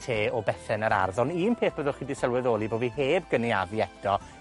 te o bethe yn yr ardd. Ond un peth byddwch chi 'di sylweddoli bo' fi heb gynaeafu eto